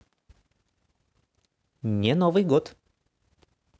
не новый год